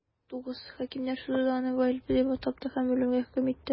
Хакимнәр суды да аны гаепле дип тапты һәм үлемгә хөкем итте.